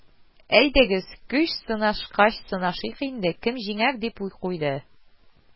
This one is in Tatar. Әйдәгез, көч сынашкач сынашыйк инде, кем җиңәр, дип куйды